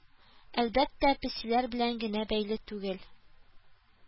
Әлбәттә, песиләр белән генә бәйле түгел